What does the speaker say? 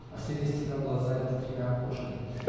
Последняя стена была занята тремя окошками.